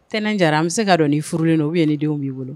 Ntɛnɛn jara an bɛ se ka dɔn ni furulen don u bɛ ye denw b'i bolo